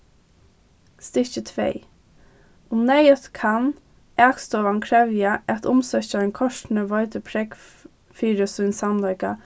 stykki tvey um neyðugt kann akstovan krevja at umsøkjarin kortini veitir prógv fyri sín samleika